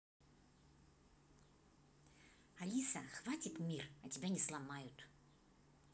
алиса хватит мир а тебя не сломают